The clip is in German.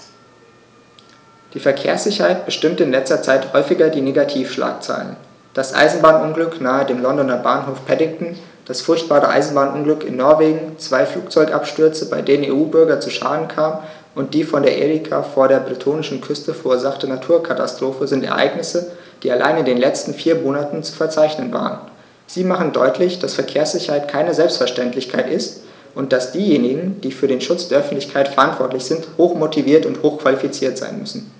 Die Verkehrssicherheit bestimmte in letzter Zeit häufig die Negativschlagzeilen: Das Eisenbahnunglück nahe dem Londoner Bahnhof Paddington, das furchtbare Eisenbahnunglück in Norwegen, zwei Flugzeugabstürze, bei denen EU-Bürger zu Schaden kamen, und die von der Erika vor der bretonischen Küste verursachte Naturkatastrophe sind Ereignisse, die allein in den letzten vier Monaten zu verzeichnen waren. Sie machen deutlich, dass Verkehrssicherheit keine Selbstverständlichkeit ist und dass diejenigen, die für den Schutz der Öffentlichkeit verantwortlich sind, hochmotiviert und hochqualifiziert sein müssen.